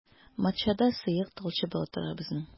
Матчада сыек талчыбыгы тора безнең.